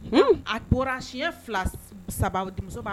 A tora si fila saba denmusoba